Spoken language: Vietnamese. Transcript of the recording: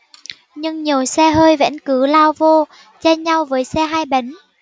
nhưng nhiều xe hơi vẫn cứ lao vô chen nhau với xe hai bánh